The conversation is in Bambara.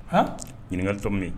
Hɔn ɲininkakalitɔ min